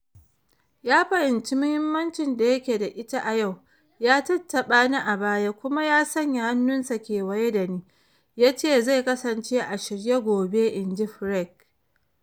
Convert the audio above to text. "Ya fahimci muhimmancin da yake da ita a yau, ya tattaɓani a baya kuma ya sanya hannunsa kewaye da ni, ya ce zai kasance a shirye gobe," inji Furyk.